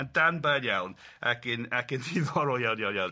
..yn danbaid iawn ac yn ac yn ddiddorol iawn, iawn, iawn.